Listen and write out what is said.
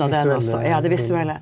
det visuelle .